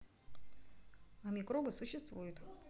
а микробы существует